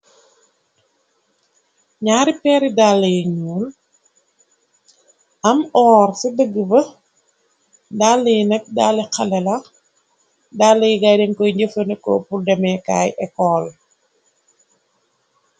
Ñaari peeri dalla yi ñuul am oor ci dëgg ba dalla yi nag dali xale la dalla yi gaydenkoy njëfande ko pul demee kaay ecool.